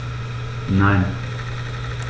Nein.